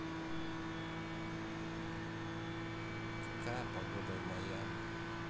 какая погода в майами